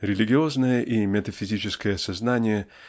Религиозное и метафизическое сознание